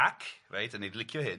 Ac, reit 'dan ni'n licio hyn.